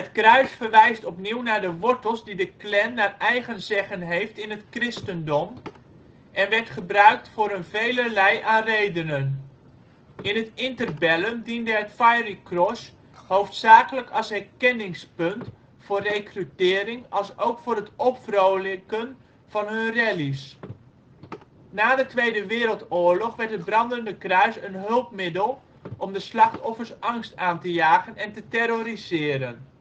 Het kruis verwijst opnieuw naar de wortels die de Klan naar eigen zeggen heeft in het christendom en werd gebruikt voor een velerlei aan redenen. In het Interbellum diende het Fiery Cross hoofdzakelijk als herkenningspunt voor rekrutering alsook voor het ' opvrolijken ' van hun rally 's. Na de Tweede Wereldoorlog werd het brandende kruis een hulpmiddel om de slachtoffers angst aan te jagen en te terroriseren